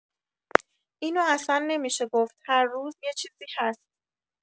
اینو اصن نمی‌شه گفت هر روز یه چیزی هست.